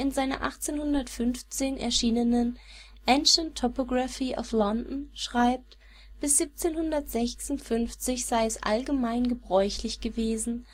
seiner 1815 erschienenen Ancient topography of London schreibt, bis 1756 sei es allgemein gebräuchlich gewesen